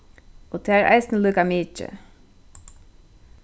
og tað er eisini líka mikið